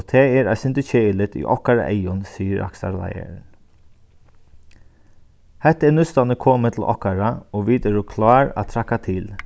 og tað er eitt sindur keðiligt í okkara eygum sigur rakstrarleiðarin hetta er nústani komið til okkara og vit eru klár at traðka til